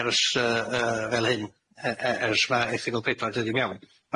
ers yy yy fel hyn yy ers ma' ethegol pedwar 'di dod yn iawn.